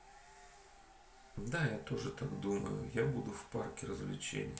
да я тоже так думаю я буду в парке развлечений